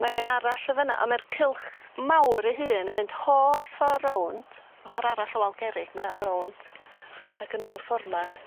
Mae'n un arall y' fyn 'na a ma'r cylch mawr ei hun yn mynd holl ffor rownd ochor arall y wal gerrig 'ma a rownd ac yn ôl ffor 'ma.